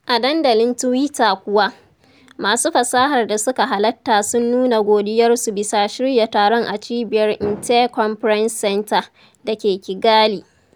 A dandalin Tiwata kuwa, masu fasahar da suka halatta sun nuna godiyarsu bisa shirya taron a cibiyar 'Intare conference center' da ke Kigali.